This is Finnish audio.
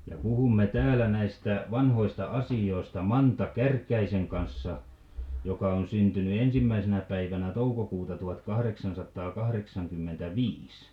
ja puhumme täällä näistä vanhoista asioista Manta Kärkkäisen kanssa joka on syntynyt ensimmäisenä päivänä toukokuuta tuhatkahdeksansataakahdeksankymmentäviisi